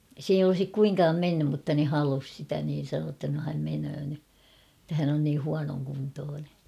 se ei olisi kuinkaan mennyt mutta ne halusi sitä niin sanoi jotta no hän menee nyt että hän on niin huonokuntoinen